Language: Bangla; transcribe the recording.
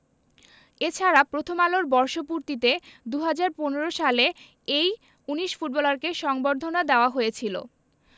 এ ছাড়া প্রথম আলোর বর্ষপূর্তিতে ২০১৫ সালে এই ১৯ ফুটবলারকে সংবর্ধনা দেওয়া হয়েছিল